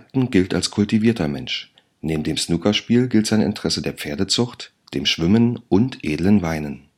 gilt als kultivierter Mensch, neben dem Snookerspiel gilt sein Interesse der Pferdezucht, Schwimmen und edlen Weinen